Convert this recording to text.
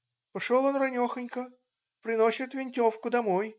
пошел он ранехонько - приносит винтовку домой.